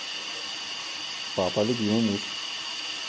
папа любимый муж